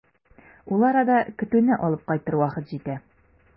Ул арада көтүне алып кайтыр вакыт җитә.